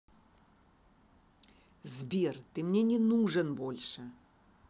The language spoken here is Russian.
сбер ты мне не нужен больше